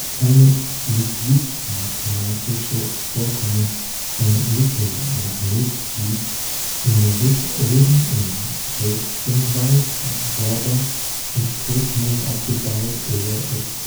Kleine liquidmagmatische Vorkommen von Nickelmagnetkies in Norit wurden im Hotzenwald bei Horbach und Todtmoos abgebaut oder exploriert